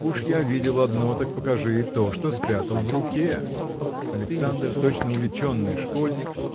уж я видел одно, так покажи и то, что спрятал в руке. Александр точно уличенный школьник